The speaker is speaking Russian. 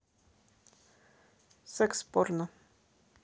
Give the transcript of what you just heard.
секс порно